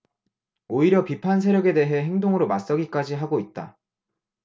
오히려 비판세력에 대해 행동으로 맞서기까지 하고 있다